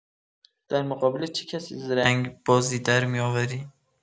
در مقابل چه کسی زرنگ‌بازی درمی‌آوری؟